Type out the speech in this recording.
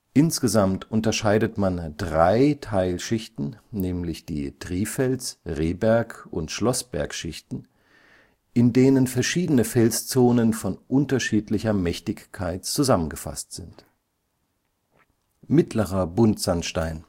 Insgesamt unterscheidet man drei Teilschichten (Trifels -, Rehberg - und Schlossberg-Schichten), in denen verschiedene Felszonen von unterschiedlicher Mächtigkeit zusammengefasst sind. Mittlerer Buntsandstein